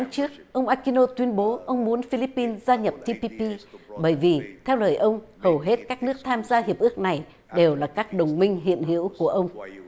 tháng trước ông a quy nô tuyên bố ông muốn phi líp pin gia nhập ti pi pi bởi vì theo lời ông hầu hết các nước tham gia hiệp ước này đều là các đồng minh hiện hữu của ông